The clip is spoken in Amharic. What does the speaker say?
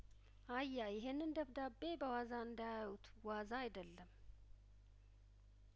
አያ ይሄንን ደብዳቤ በዋዛ እንዳያዩት ዋዛ አይደለም